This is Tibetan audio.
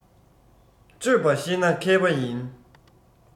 སྤྱོད པ ཤེས ན མཁས པ ཡིན